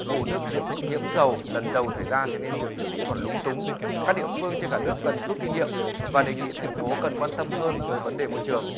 vụ nước giếng nhiễm dầu lần đầu xảy ra thế nên việc xử lý còn lúng túng các địa phương trên cả nước cần rút kinh nghiệm và đề nghị thành phố cần quan tâm hơn tới vấn đề môi trường